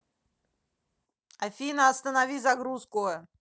афина останови загрузку